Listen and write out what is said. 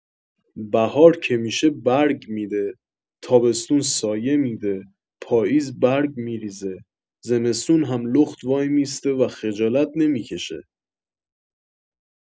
بهار که می‌شه برگ می‌ده، تابستون سایه می‌ده، پاییز برگ می‌ریزه، زمستون هم لخت وایمی‌سته و خجالت نمی‌کشه.